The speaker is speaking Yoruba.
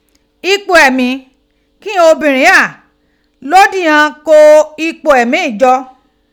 Ipo emi ki obinrin gha lo dighan ko ipo emi ijo.